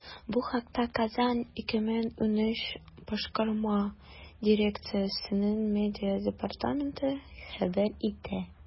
Бу хакта “Казан 2013” башкарма дирекциясенең медиа департаменты хәбәр итә.